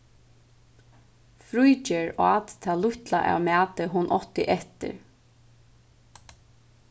fríðgerð át tað lítla av mati hon átti eftir